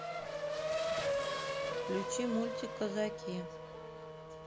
включи мультик казаки